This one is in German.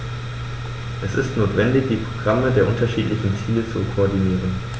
Es ist notwendig, die Programme der unterschiedlichen Ziele zu koordinieren.